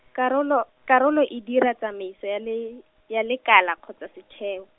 karolo, karolo e dira tsamaiso ya le-, ya lekala kgotsa setheo.